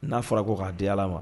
N'a fɔ la ko k'a di Ala ma